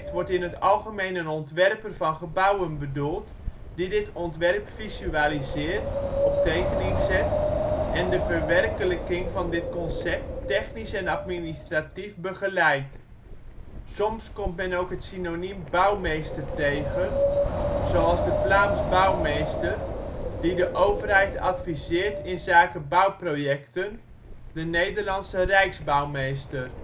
wordt in het algemeen een ontwerper van gebouwen bedoeld, die dit ontwerp visualiseert (op tekening zet) en de verwerkelijking van dit concept technisch en administratief begeleidt. Soms komt men het synoniem bouwmeester tegen zoals de " Vlaams Bouwmeester " die de overheid adviseert inzake bouwprojecten, de Nederlandse " Rijksbouwmeester